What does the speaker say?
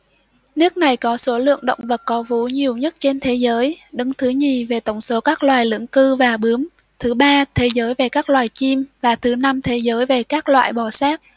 nước này có số lượng động vật có vú nhiều nhất trên thế giới đứng thứ nhì về tổng số các loài lưỡng cư và bướm thứ ba thế giới về các loài chim và thứ năm thế giới về các loại bò sát